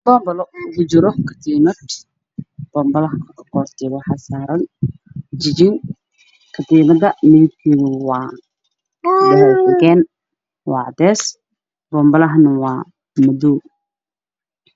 Boombalo ku jiro katiinad boombalaha qoortiisa waxaa saaran jin jin katiinad ma midabkeed waa dahabi xigeen cadays boombala hana waa madow.